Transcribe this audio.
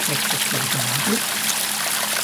Clic os gwelwch yn dda a gweud.